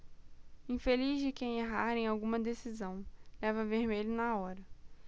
infeliz de quem errar em alguma decisão leva vermelho na hora